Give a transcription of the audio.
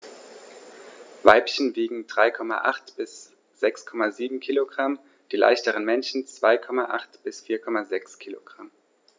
Weibchen wiegen 3,8 bis 6,7 kg, die leichteren Männchen 2,8 bis 4,6 kg.